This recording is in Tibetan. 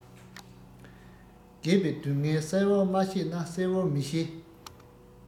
རྒས པའི སྡུག བསྔལ གསལ བོར མ བཤད ན གསལ བོར མི ཤེས